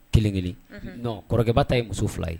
Kelen kelen non kɔrɔkɛba ta ye muso fila ye